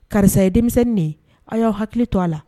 Karisa ye denmisɛnnin de aw y'aw hakili to a la